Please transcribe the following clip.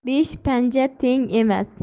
besh panja teng emas